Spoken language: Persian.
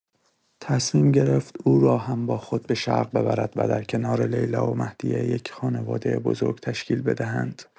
تصمیم گرفت او را هم با خود به شرق ببرد و در کنار لیلا و مهدیه یک خانواده بزرگ تشکیل بدهند.